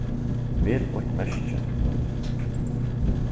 vel eitt merki